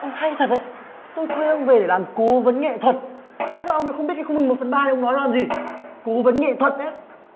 ông hay thật đấy tôi thuê ông về để làm cố vấn nghệ thuật sao ông lại không biết cái khung một phần ba thì ông nói làm gì cố vấn nghệ thuật nha